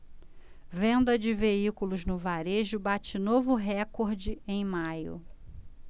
venda de veículos no varejo bate novo recorde em maio